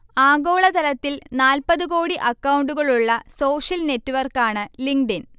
ആഗോളതലത്തിൽ നാല്പത് കോടി അക്കൗണ്ടുകളുള്ള സോഷ്യൽ നെറ്റ്വർക്കാണ് ലിങ്കഡ്ഇൻ